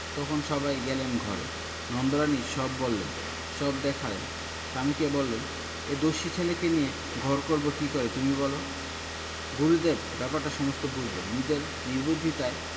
তখন সবাই গেলেন ঘরে নন্দরানী সব বললেন সব দেখালেন স্বামীকে বললেন এ দস্যি ছেলেকে নিয়ে ঘর করব কি করে তুমি বল গুরুদেব ব্যাপারটা সমস্ত বুঝলেন নিজের নির্বুদ্ধিতায়